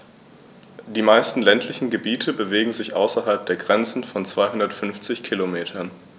Die meisten ländlichen Gebiete bewegen sich außerhalb der Grenze von 250 Kilometern.